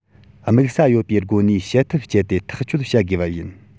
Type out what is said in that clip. དམིགས ས ཡོད པའི སྒོ ནས བྱེད ཐབས སྤྱད དེ ཐག གཅོད བྱ དགོས པ ཡིན